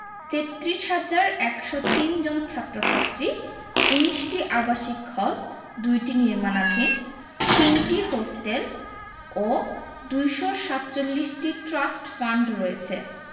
৩৩ হাজার ১০৩ জন ছাত্র ছাত্রী ১৯টি আবাসিক হল ২টি নির্মাণাধীন ৩টি হোস্টেল ও ২৪৭টি ট্রাস্ট ফান্ড রয়েছে